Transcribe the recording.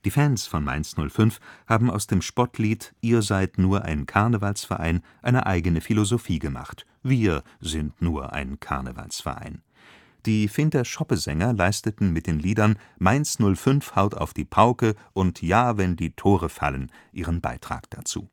Fans von Mainz 05 haben aus dem Spottlied „ Ihr seid nur ein Karnevalsverein “eine eigene Philosophie gemacht: „ Wir sind nur ein Karnevalsverein “. Die Finther Schoppesänger leisteten mit den Liedern: Mainz 05 haut auf die Pauke und Ja wenn die Tore fallen ihren Beitrag dazu